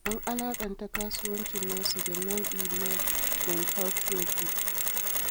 An alaƙanta kasuwancin nasu ga nau’i na Gwyneth Paltrow's Goop.